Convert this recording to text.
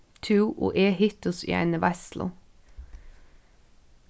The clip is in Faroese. tú og eg hittust í eini veitslu